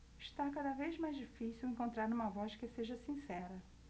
está cada vez mais difícil encontrar uma voz que seja sincera